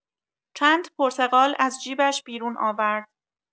چند پرتقال از جیبش بیرون آورد.